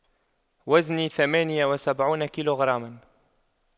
وزني ثمانية وسبعون كيلوغراما